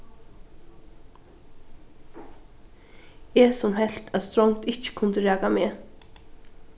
eg sum helt at strongd ikki kundi raka meg